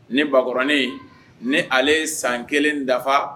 Ni bakɔrɔnin ni ale san kelen dafa